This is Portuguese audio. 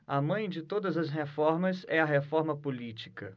a mãe de todas as reformas é a reforma política